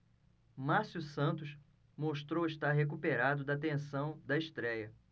márcio santos mostrou estar recuperado da tensão da estréia